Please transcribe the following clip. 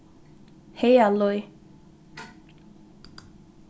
heygalíð